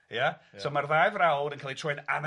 Ia? So ma'r ddau frawd yn cael 'u troi'n anafeiliaid, ia?